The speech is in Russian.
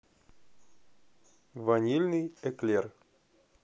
ванильный эклер